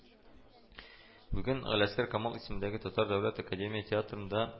Бүген Галиәсгар Камал исемендәге Татар дәүләт академия театрында